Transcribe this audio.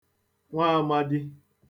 nwaāmādī